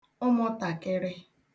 ụmụ̀tàkịrị